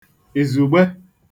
ìzùgbe